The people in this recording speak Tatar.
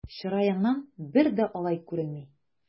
Чыраеңнан бер дә алай күренми!